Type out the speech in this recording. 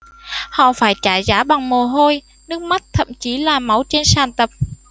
họ phải trả giá bằng mồ hôi nước mắt thậm chí là máu trên sàn tập